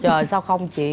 trời sao không chị